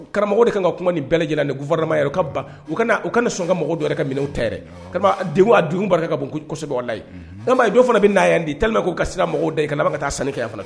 Karamɔgɔ de ka kuma ni bɛɛ lajɛlen ko farama ye ka ban u kana u ka ne sɔn ka mɔgɔw dɔ ka minɛ ta karamɔgɔ dugu ka bonsɛbɛ la don fana bɛ na' di taa k' ka sira mɔgɔ da i kana ka taa sanni kɛ fana